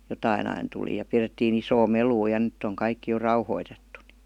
jotakin aina tuli ja pidettiin isoa melua ja nyt on kaikki jo rauhoitettu niin